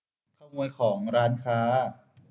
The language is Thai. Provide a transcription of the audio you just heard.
ขโมยของร้านค้า